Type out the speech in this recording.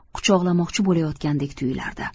quchoqlamoqchi bolayotgandek tuyulardi